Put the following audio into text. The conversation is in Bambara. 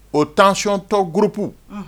O tancontɔ gurp